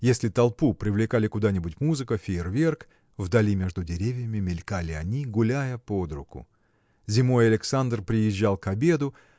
если толпу привлекали куда-нибудь музыка фейерверк вдали между деревьями мелькали они гуляя под руку. Зимой Александр приезжал к обеду